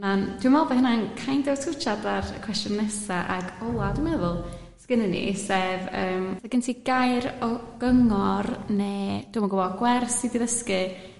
na' dwi me'l bo' hynna'n kind of twtchad ar cwestiwn nesa ag ola dwi meddwl 'sgennyn ni sef yym sa' gen ti gair o gyngor ne' dwi'm yn gwbo gwers ti di ddysgu